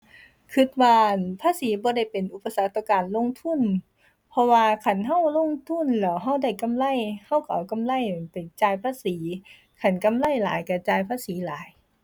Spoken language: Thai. คิดว่า อั่น ภาษีบ่ได้เป็นอุปสรรคต่อการลงทุน เพราะว่าคันคิดลงทุนแล้วคิดได้กำไร คิดคิดเอากำไรนั้น ไปจ่ายภาษี คันกำไรหลายคิดจ่ายภาษีหลาย